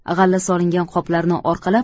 g'alla solingan qoplarni orqalab